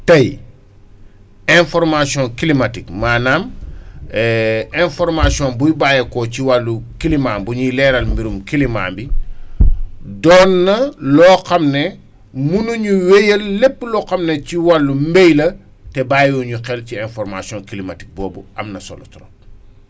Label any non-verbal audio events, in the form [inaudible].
tey information climatique maanaam [hesitation] information buy bàyyeekoo ci wàllu climat bu ñuy leeral mbirum climat bi [noise] doon na loo xam ne munuñ wéyal lépp loo xam ne ci wàllum mbéy la te bçyyiwuñu xel ci information climatique boobu am na solo trop